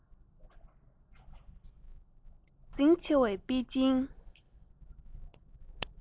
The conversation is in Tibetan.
ཟང ཟིང ཆེ བའི པེ ཅིན